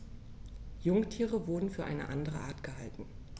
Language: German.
Jungtiere wurden für eine andere Art gehalten.